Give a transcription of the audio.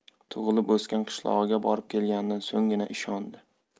tug'ilib o'sgan qishlog'iga borib kelganidan so'nggina ishondi